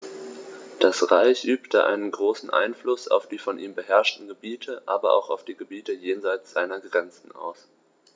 Das Reich übte einen großen Einfluss auf die von ihm beherrschten Gebiete, aber auch auf die Gebiete jenseits seiner Grenzen aus.